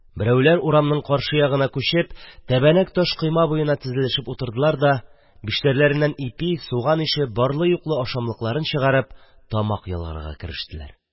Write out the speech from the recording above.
Берәүләр урамның каршы ягына күчеп тәбәнәк таш койма буена тезелешеп утырдылар да, биштәрләреннән ипи, суган ише барлы-юклы ашамлыкларын чыгарып, тамак ялгарга керештеләр.